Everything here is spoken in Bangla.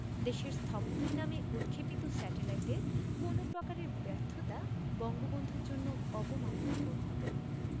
দেশের স্থপতির নামে উৎক্ষেপিত স্যাটেলাইটের কোনো প্রকারের ব্যর্থতা বঙ্গবন্ধুর জন্য অবমাননাকর হবে